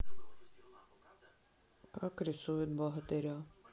как рисуют богатыря